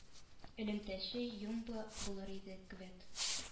Элемтәче юмба булыр диде квет